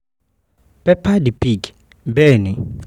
""Peppa the pig," bẹ́ẹ̀ni."